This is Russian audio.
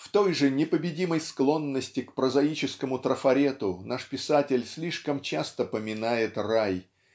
В той же непобедимой склонности к прозаическому трафарету наш писатель слишком часто поминает рай